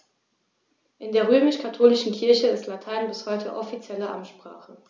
In der römisch-katholischen Kirche ist Latein bis heute offizielle Amtssprache.